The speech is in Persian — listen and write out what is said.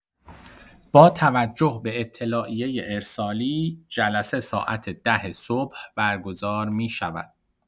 با توجه به اطلاعیه ارسالی، جلسه ساعت ده صبح برگزار می‌شود.